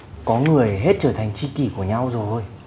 có người hết trở thành tri kỉ của nhau rồi